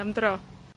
am dro.